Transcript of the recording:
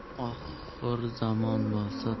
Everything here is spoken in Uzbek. oxir zamon bo'lsa